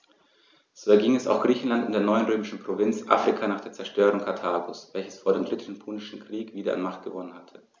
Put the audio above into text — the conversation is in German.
So erging es auch Griechenland und der neuen römischen Provinz Afrika nach der Zerstörung Karthagos, welches vor dem Dritten Punischen Krieg wieder an Macht gewonnen hatte.